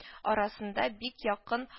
Арасында бик якын